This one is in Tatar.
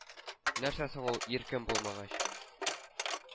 Нәрсә соң ул, иркем булмагач,